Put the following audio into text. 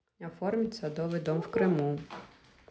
оформить садовый дом в крыму